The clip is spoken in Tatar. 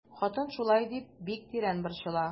Хатын шулай дип бик тирән борчыла.